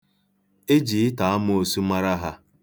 E ji ịta amoosu mara ha.